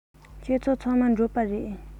ཁྱེད ཚོ ཚང མ འབྲོག པ རེད